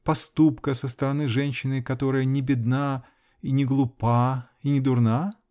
поступка со стороны женщины, которая не бедна. и не глупа. и не дурна?